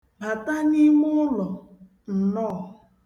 Bata n'ime ụlọ! Nnọọ!